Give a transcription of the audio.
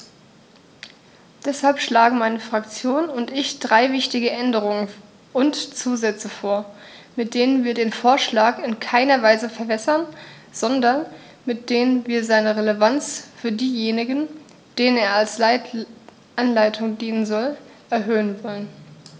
Deshalb schlagen meine Fraktion und ich drei wichtige Änderungen und Zusätze vor, mit denen wir den Vorschlag in keiner Weise verwässern, sondern mit denen wir seine Relevanz für diejenigen, denen er als Anleitung dienen soll, erhöhen wollen.